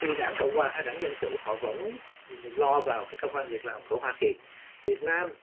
vì đảng cộng hòa hay đảng dân chủ họ vẫn lo vào cái công ăn việc làm của hoa kỳ việt nam